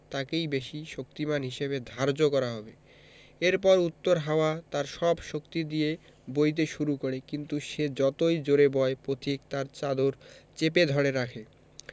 তাকেই বেশি শক্তিমান হিসেবে ধার্য করা হবে এরপর উত্তর হাওয়া তার সব শক্তি দিয়ে বইতে শুরু করে কিন্তু সে যতই জোড়ে বয় পথিক তার চাদর চেপে ধরে রাখে